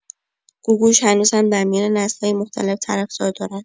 گوگوش هنوز هم در میان نسل‌های مختلف طرفدار دارد.